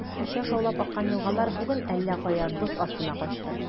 Кичә шаулап аккан елгалар бүген әллә кая, боз астына качты.